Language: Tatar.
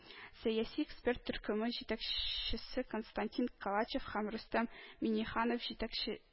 “сәяси эксперт төркеме” җитәкщщесе константин калачев һәм рөстәм миңнеханов җитәкче